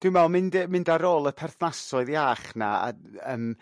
Dwi'n me'wl mynd yrr mynd ar ol y perthnasoedd iach 'na a yrm